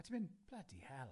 A ti'n myn', bloody hell.